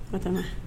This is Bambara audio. Bat